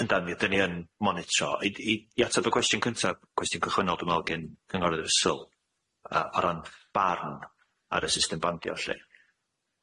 Yndan mi- ydyn ni yn monitro i i i atab y cwestiwn cynta, cwestiwn cychwynnol dwi me'wl gin cyngor y ddrysyl yy o ran barn ar y system bandio felly,